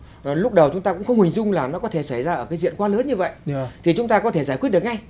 và lúc đầu chúng ta cũng không hình dung là nó có thể xảy ra ở cái diện quá lớn như vậy thì chúng ta có thể giải quyết được ngay